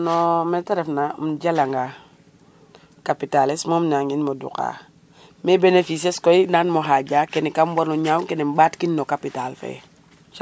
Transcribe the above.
non mene te ref na um jalanga capital es mom nangin mo duka mais benefice es koy naŋan mo xaja kene kam war no ñam ken mbaat kin no capitel fe